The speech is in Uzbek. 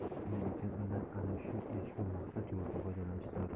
shunday ekan undan ana shu ezgu maqsad yo'lida foydalanish zarur